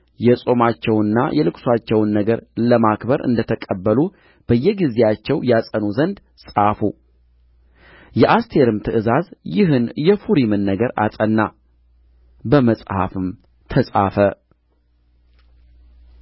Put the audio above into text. የጾማቸውንና የልቅሶአቸውን ነገር ለማክበር እንደ ተቀበሉ በየጊዜያቸው ያጸኑ ዘንድ ጻፉ የአስቴርም ትእዛዝ ይህን የፉሪምን ነገር አጸና በመጽሐፍም ተጻፈ